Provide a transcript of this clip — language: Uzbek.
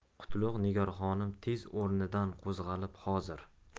qutlug' nigor xonim tez o'rnidan qo'zg'alib hozir